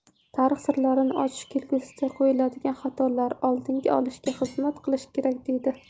tarix sirlarini ochish kelgusida qo'yiladigan xatolar oldini olishga xizmat qilishi kerak deydi